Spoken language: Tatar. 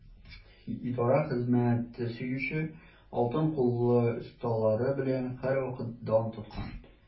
Идарә хезмәт сөюче, алтын куллы осталары белән һәрвакыт дан тоткан.